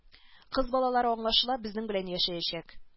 Кыз балалары аңлашыла безнең белән яшәячәк